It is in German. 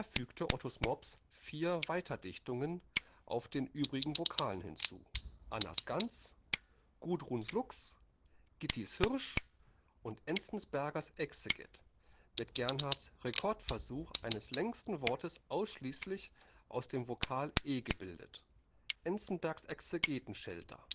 fügte ottos mops vier Weiterdichtungen auf den übrigen Vokalen hinzu: Annas Gans, Gudruns Luchs, Gittis Hirsch und Enzensbergers Exeget mit Gernhardts Rekordversuch eines längsten Wortes ausschließlich aus dem Vokal e gebildet: „ Enzensbergerexegetenschelter